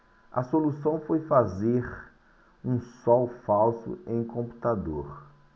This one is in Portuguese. a solução foi fazer um sol falso em computador